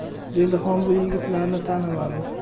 zelixon bu yigitlarni tanimadi